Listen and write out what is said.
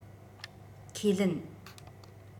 ཁས ལེན